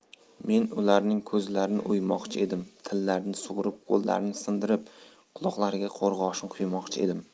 men ularning ko'zlarini o'ymoqchi edim tillarini sug'urib qo'llarini sindirib quloqlariga qo'rg'oshin quymoqchi edim